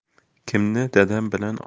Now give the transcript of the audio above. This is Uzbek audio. kimni dadam bilan